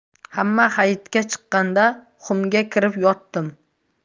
hamma hayitga chiqqanda xumga kirib yotdim